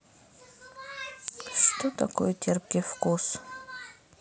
что такое терпкий вкус